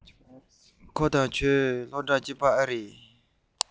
ཁོང དང ཁྱོད རང སློབ གྲྭ གཅིག རེད པས